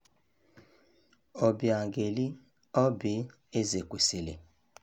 Obiageli [Oby] Ezekwesili